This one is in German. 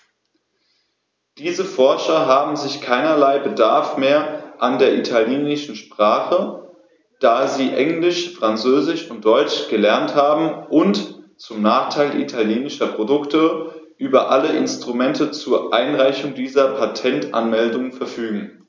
Diese Forscher haben sicher keinerlei Bedarf mehr an der italienischen Sprache, da sie Englisch, Französisch und Deutsch gelernt haben und, zum Nachteil italienischer Produkte, über alle Instrumente zur Einreichung dieser Patentanmeldungen verfügen.